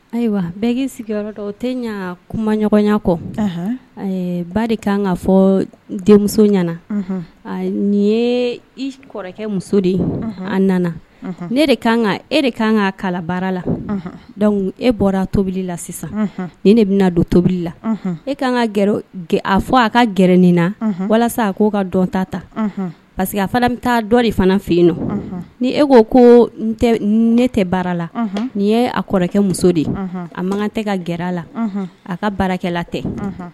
Ayiwa bɛɛ sigiyɔrɔ tɛ kumaya kɔ ba de ka ka fɔ denmuso nin i kɔrɔkɛ muso de a nana e de kan ka kala baara la e bɔra tobili la sisan ni ne bɛna don tobili la e kan ka a fɔ a ka gɛrɛ na walasa a ko ka dɔn ta ta parceriseke a bɛ taa dɔ de fana fɛ yen nɔ ni e ko ko ne tɛ baara la ni a kɔrɔkɛ muso de a man tɛ ka gɛrɛ la a ka baarakɛ la tɛ